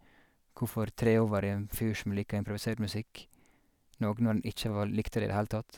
Hvorfor tre over i en fyr som liker improvisert musikk noe når han ikke var likte det i det hele tatt.